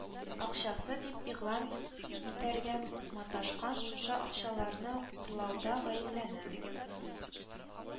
Акчасы дип игълан итәргә маташкан шушы акчаларны урлауда гаепләнә